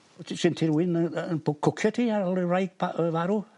O' ti... 'sen ti rywun y yy yn bw- cwcio ti ar ôl y wraig pa- yy farw?